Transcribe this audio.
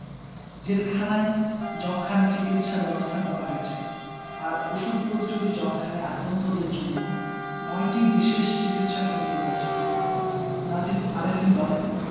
জেলখানায় যক্ষ্মার চিকিৎসা ব্যবস্থা করা হয়েছে আর ওষুধ প্রতিরোধী যক্ষ্মায় আক্রান্তদের জন্য ৯টি বিশেষ চিকিৎসাকেন্দ্র রয়েছে নাজিস আরেফিন বলেন